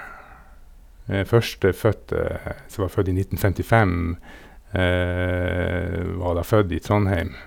Førstefødte, som var født i nitten femtifem, var da født i Trondheim.